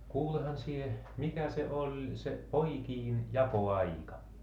kuulehan sinä mikä se oli se poikien jakoaika